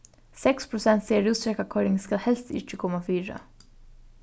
seks prosent siga at rúsdrekkakoyring skal helst ikki koma fyri